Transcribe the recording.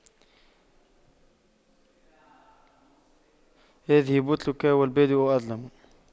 هذه بتلك والبادئ أظلم